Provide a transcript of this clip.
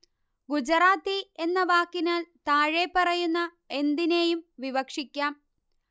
ഗുജറാത്തി എന്ന വാക്കിനാല് താഴെപ്പറയുന്ന എന്തിനേയും വിവക്ഷിക്കാം